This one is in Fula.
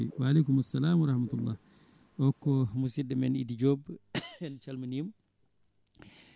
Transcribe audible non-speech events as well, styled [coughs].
wa aleykumu salam wa rahmatullah o ko musidɗo men Idy Diop [coughs] en calminimo